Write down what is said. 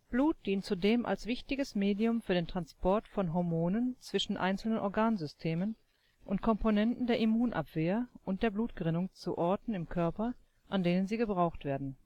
Blut dient zudem als wichtiges Medium für den Transport von Hormonen zwischen einzelnen Organsystemen und Komponenten der Immunabwehr und der Blutgerinnung zu Orten im Körper, an denen sie gebraucht werden